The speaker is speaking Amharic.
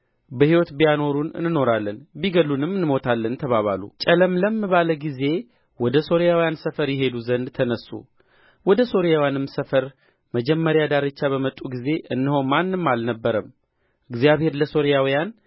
በሕይወት ቢያኖሩን እንኖራለን ቢገድሉንም እንሞታለን ተባባሉ ጨለምለም ባለ ጊዜ ወደ ሶርያውያን ሰፈር ይሄዱ ዘንድ ተነሡ ወደ ሶርያውያንም ሰፈር መጀመሪያ ዳርቻ በመጡ ጊዜ እነሆ ማንም አልነበረም እግዚአብሔር ለሶርያውያን